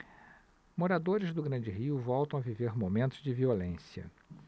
moradores do grande rio voltam a viver momentos de violência